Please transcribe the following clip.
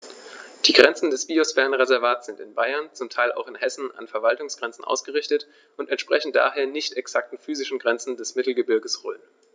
Die Grenzen des Biosphärenreservates sind in Bayern, zum Teil auch in Hessen, an Verwaltungsgrenzen ausgerichtet und entsprechen daher nicht exakten physischen Grenzen des Mittelgebirges Rhön.